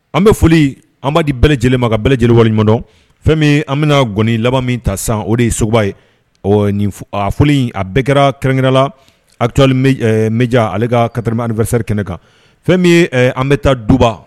An bɛ foli an bba di bɛɛ lajɛlen ma ka bɛ lajɛlenelewale madɔn fɛn an bɛna gɔni laban min ta san o de ye soba ye ɔ nin a foli a bɛɛ kɛra kɛrɛnkɛ la abi mja ale ka kata an2 fɛsɛɛrɛri kɛnɛ kan fɛn min an bɛ taa duba